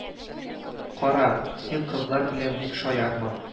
Кара, син кызлар белән бик шаярма